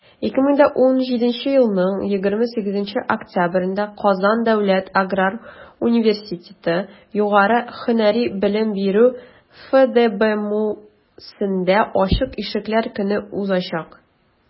2017 елның 28 октябрендә «казан дәүләт аграр университеты» югары һөнәри белем бирү фдбмусендә ачык ишекләр көне узачак.